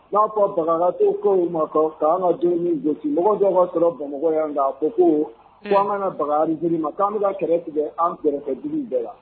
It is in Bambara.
N'a fɔ bagantɔ ko ma ka an ka joli min gosi mɔgɔ jɔ ka sɔrɔ bamakɔmɔgɔ yan kan a ko ko ko an ka ka baga jiri ma k ko'an bɛ ka kɛrɛfɛ tigɛ an kɛrɛfɛ jiri bɛɛ la